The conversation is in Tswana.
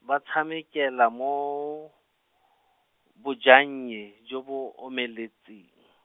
ba tshamekela mo, bojannye jo bo omeletseng.